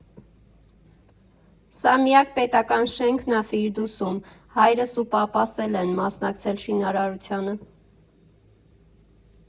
Սա միակ պետական շենքն ա Ֆիրդուսում, հայրս ու պապս էլ են մասնակցել շինարարությանը։